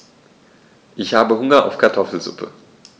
Ich habe Hunger auf Kartoffelsuppe.